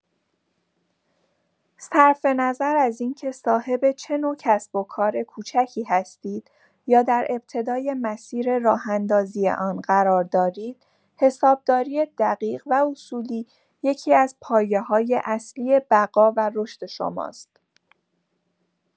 صرف‌نظر از اینکه صاحب چه نوع کسب‌وکار کوچکی هستید یا در ابتدای مسیر راه‌اندازی آن قرار دارید، حسابداری دقیق و اصولی یکی‌از پایه‌های اصلی بقا و رشد شماست.